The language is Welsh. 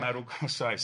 Marw- saes.